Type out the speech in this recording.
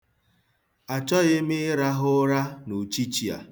Achọghi m ịrahụ ụra n'uchichi a